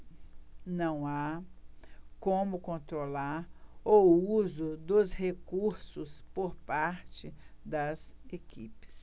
não há como controlar o uso dos recursos por parte das equipes